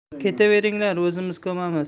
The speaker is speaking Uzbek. ketaveringlar o'zimiz ko'mamiz